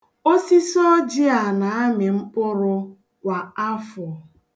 Osisi ọjị a na-amị mkpụrụ kwa afọ.